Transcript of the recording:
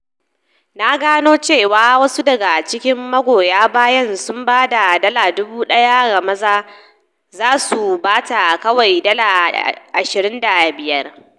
Ta gano cewa wasu daga cikin magoya bayanta sun ba da $1,000 ga maza zasu ba ta kawai $ 250.